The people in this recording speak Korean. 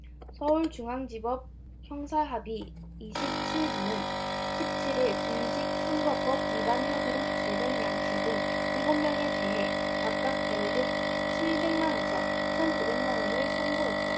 서울중앙지법 형사합의 이십 칠 부는 십 칠 일 공직선거법 위반 혐의로 기소된 양씨 등 일곱 명에 대해 각각 벌금 칠백 만 에서 천 오백 만원을 선고했다